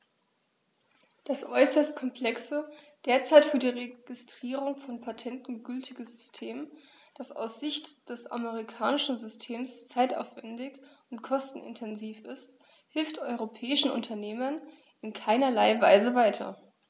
Das äußerst komplexe, derzeit für die Registrierung von Patenten gültige System, das aus Sicht des amerikanischen Systems zeitaufwändig und kostenintensiv ist, hilft europäischen Unternehmern in keinerlei Weise weiter.